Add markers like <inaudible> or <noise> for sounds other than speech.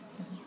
<hesitation> <hesitation>